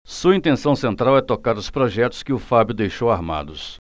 sua intenção central é tocar os projetos que o fábio deixou armados